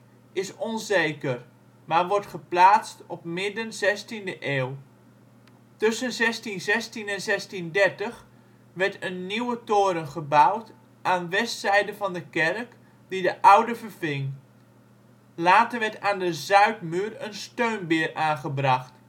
onzeker, maar wordt geplaatst op midden 16e eeuw. Tussen 1616 en 1630 werd een nieuwe toren gebouwd aan westzijde van de kerk, die de oude verving. Later werd aan de zuidmuur een steunbeer aangebracht